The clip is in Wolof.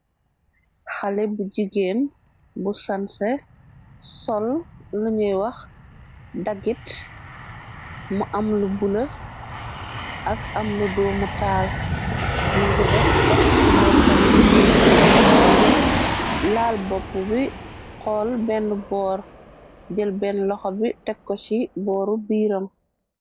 Xale bu jigeen bu sanse sol luñuy wax daggit mu amlu bula ak amlu doomu taal mu ngi def tekk ci boppam bi ngëb laal bopp bi xool benn boor jël benn loxo bi tekko ci booru biiram.